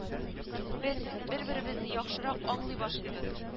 Без бер-беребезне яхшырак аңлый башлыйбыз